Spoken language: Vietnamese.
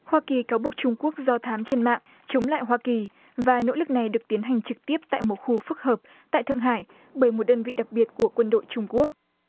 hoa kỳ cáo buộc trung quốc do thám trên mạng chống lại hoa kỳ và nỗ lực này được tiến hành trực tiếp tại một khu phức hợp tại thượng hải bởi một đơn vị đặc biệt của quân đội trung quốc